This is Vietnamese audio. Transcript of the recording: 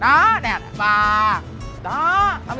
đó nè ba đó ông